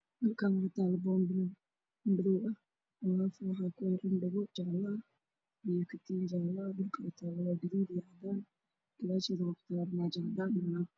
Halkaan waxaa taalo boombalo madow ah dhago jaallo ah katiin jaallo ah dhulka ay taalo waa gaduud iyo cadaan gadaasheeda waxaa taalo armaajo cadaana.